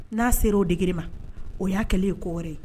N'a sera o dégré ma o y'a kɛlen ye ko wɛrɛ ye.